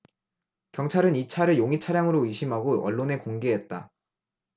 경찰은 이 차를 용의 차량으로 의심하고 언론에 공개했다